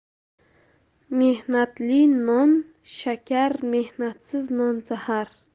mehnatli non shakar mehnatsiz non zahar